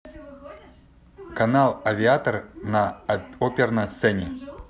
канал авиатор на оперной сцене